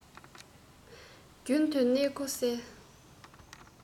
རྒྱུན དུ ནས གོ གསལ